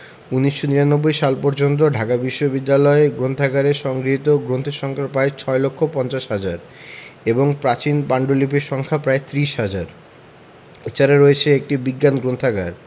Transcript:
১৯৯৯ সাল পর্যন্ত ঢাকা বিশ্ববিদ্যালয় গ্রন্থাগারে সংগৃহীত গ্রন্থের সংখ্যা প্রায় ৬ লক্ষ ৫০ হাজার এবং প্রাচীন পান্ডুলিপির সংখ্যা প্রায় ত্রিশ হাজার এছাড়া রয়েছে একটি বিজ্ঞান গ্রন্থাগার